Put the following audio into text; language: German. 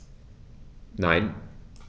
Nein.